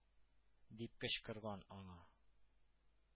Дип кычкырган аңа.